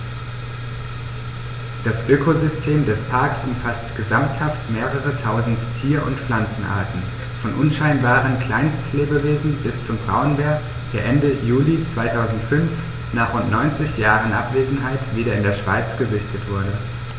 Das Ökosystem des Parks umfasst gesamthaft mehrere tausend Tier- und Pflanzenarten, von unscheinbaren Kleinstlebewesen bis zum Braunbär, der Ende Juli 2005, nach rund 90 Jahren Abwesenheit, wieder in der Schweiz gesichtet wurde.